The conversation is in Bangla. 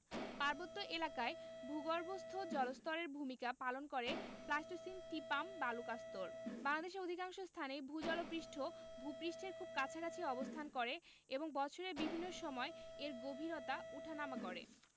পার্বত্য এলাকায় ভূগর্ভস্থ জলস্তরের ভূমিকা পালন করে প্লাইসটোসিন টিপাম বালুকাস্তর বাংলাদেশের অধিকাংশ স্থানেই ভূ জল পৃষ্ঠ ভূ পৃষ্ঠের খুব কাছাকাছি অবস্থান করে এবং বৎসরের বিভিন্ন সময় এর গভীরতা উঠানামা করে